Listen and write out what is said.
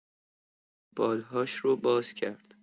بال‌هاش رو باز کرد.